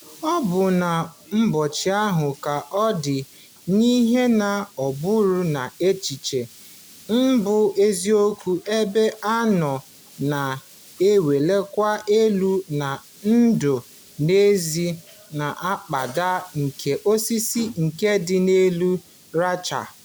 Ma ọ bụchaghị ka ọ dị, n'ihi na ọ bụrụ na echiche m bụ eziokwu, ebe a ọ nọ na-awụlikwa elu na ndụ n'ezie na mkpọda nke osisi nke dị n'elu Rekcha.